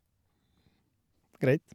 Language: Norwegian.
Greit.